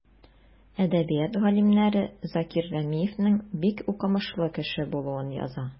Әдәбият галимнәре Закир Рәмиевнең бик укымышлы кеше булуын яза.